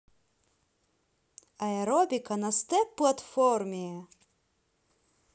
аэробика на степ платформе